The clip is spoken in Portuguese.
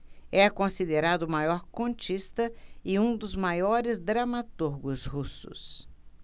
é considerado o maior contista e um dos maiores dramaturgos russos